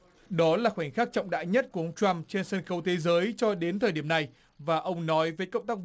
đó là khoảnh khắc trọng đại nhất của ông trăm trên sân khấu thế giới cho đến thời điểm này và ông nói với cộng tác